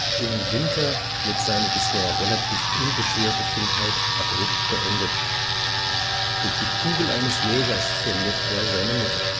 Im Winter wird seine bisher relativ unbeschwerte Kindheit abrupt beendet: Durch die Kugel eines Jägers verliert er seine Mutter